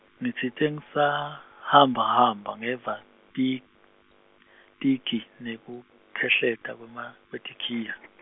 ngitsite ngisahambahamba ngeva, ti- tigi nekukhehleta kwema, kwetikhiya.